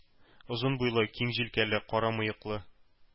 Озын буйлы, киң җилкәле, кара мыеклы